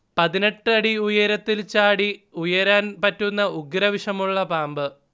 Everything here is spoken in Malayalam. പതിനെട്ട് അടി ഉയരത്തിൽ ചാടി ഉയരാൻ പറ്റുന്ന ഉഗ്രവിഷമുള്ള പാമ്പ്